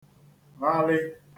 -ghalị